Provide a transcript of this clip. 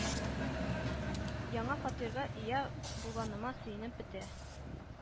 Яңа фатирга ия булганыма сөенеп бетә